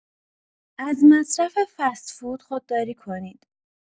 از مصرف فست‌فود خودداری کنید.